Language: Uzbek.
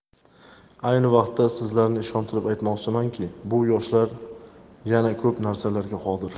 ayni vaqtda sizlarni ishontirib aytmoqchimanki bu yoshlar yana ko'p narsalarga qodir